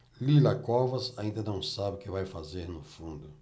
lila covas ainda não sabe o que vai fazer no fundo